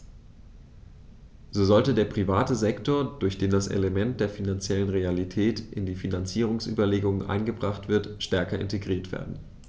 So sollte der private Sektor, durch den das Element der finanziellen Realität in die Finanzierungsüberlegungen eingebracht wird, stärker integriert werden.